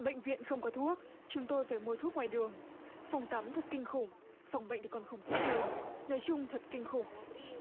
bệnh viện không có thuốc chúng tôi phải mua thuốc ngoài đường phòng tắm thật kinh khủng phòng bệnh còn khủng khiế hơn nói chung thật kinh khủng